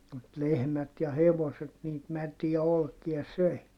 mutta lehmät ja hevoset niitä mätiä olkia söi